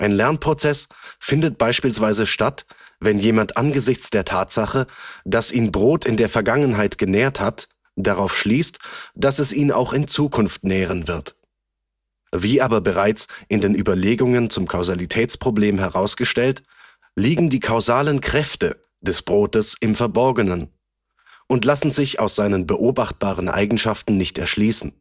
Lernprozess findet beispielsweise statt, wenn jemand angesichts der Tatsache, dass ihn Brot in der Vergangenheit genährt hat, darauf schließt, dass es ihn auch in Zukunft nähren wird. Wie aber bereits in den Überlegungen zum Kausalitätsproblem herausgestellt, liegen die „ kausalen Kräfte “des Brotes im Verborgenen und lassen sich aus seinen beobachtbaren Eigenschaften nicht erschließen